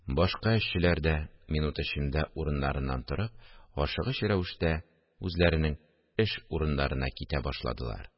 Башка эшчеләр дә, минут эчендә урыннарыннан торып, ашыгыч рәвештә үзләренең эш урыннарына китә башладылар